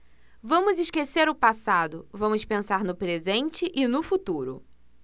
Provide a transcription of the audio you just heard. vamos esquecer o passado vamos pensar no presente e no futuro